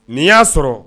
N'i y'a sɔrɔ